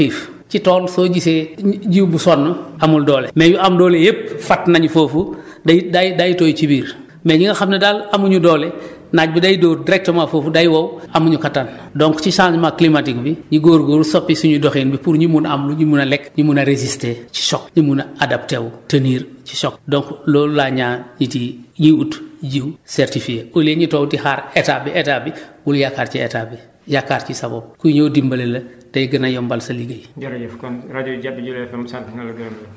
donc changement climatique rangoor bi am na donc waruñu xiif ci tool soo gisee jiw bu sonn amul doole mais yu am doole yëpp fatt nañu foofu day day tooy ci biir mais yi nga xam ne daal amuñu doole naaj bi day dugg directement foofu day wow amuñu kattan donc ci changement climatique bi ñu góorgóorlu soppi suñuy doxin pour ñu mën a am lu ñu mën a lekk ñu mën a résister choc ñu mën a adopté wu tenir ci choc don,c loolu laa ñaan nit yi ñu ut jiw certifié au lieu ñu toog di xaar état bi état bi bul yaakaar ci état bi yaakaar ci sa bopp kuy ñëw dimbali la day gën a yombal sa liggéey